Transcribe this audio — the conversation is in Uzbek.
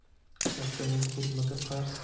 kattaning hurmati qarz